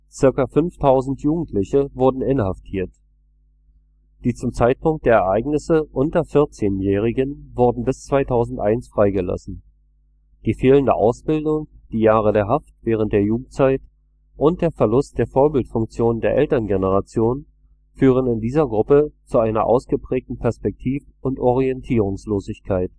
Zirka 5000 Jugendliche wurden inhaftiert. Die zum Zeitpunkt der Ereignisse unter Vierzehnjährigen wurden bis 2001 freigelassen. Die fehlende Ausbildung, die Jahre der Haft während der Jugendzeit und der Verlust der Vorbildfunktion der Elterngeneration führen in dieser Gruppe zu einer ausgeprägten Perspektiv - und Orientierungslosigkeit